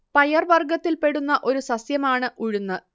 പയർ വർഗ്ഗത്തിൽ ഉൾപ്പെടുന്ന ഒരു സസ്യമാണ് ഉഴുന്ന്